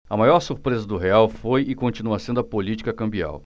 a maior surpresa do real foi e continua sendo a política cambial